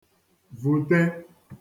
vùte